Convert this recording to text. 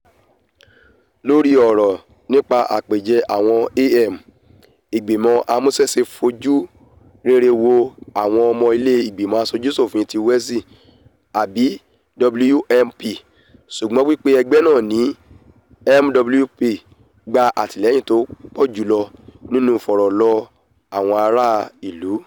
Lórí ọrọ nipa àpèjẹ́ àwọn AM, Ìgbìmọ Amúṣẹ́ṣe fojú rere wo àwọn Ọmọ Ilé Ìgbímọ̀ Aṣojú-ṣòfin ti Welsh àbí WMP, ṣùgbọ́n pipe ẹgbẹ na ní MWP gba àtìlẹ́yìn tí ó pọ́ jùlọ nínú ìfọ̀rọ̀lọ àwọn ará ìlú.